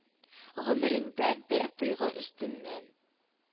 Гомереңдә бер тойгы өстеннән